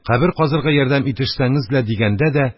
, кабер казырга ярдәм итешсәңез лә», –– дигәндә дә,